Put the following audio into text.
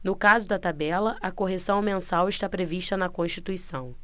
no caso da tabela a correção mensal está prevista na constituição